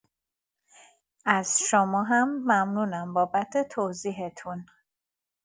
از شما هم ممنونم بابت توضیحتون.